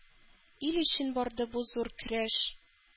Ил өчен барды бу зур көрәш,